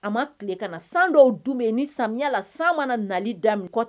A ma tile ka na san dɔw dun yen ni samiyala san mana nali dami kɔ